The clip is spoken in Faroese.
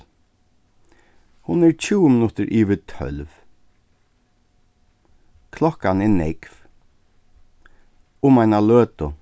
hon er tjúgu minuttir yvir tólv klokkan er nógv um eina løtu